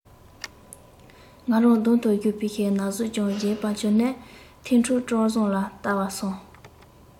ང རང རྡོག ཐོ གཞུས པའི ན ཟུག ཀྱང བརྗེད པ གྱུར ནས ཐན ཕྲུག བཀྲ བཟང ལ བལྟ བར སོང